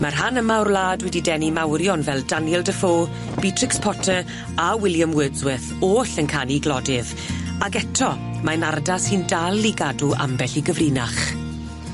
Ma'r rhan yma o'r wlad wedi denu mawrion fel Daniel Dafoe, Beatrix Potter a William Wordsworth oll yn canu glodydd ag eto mae'n ardal sy'n dal i gadw ambell i gyfrinach.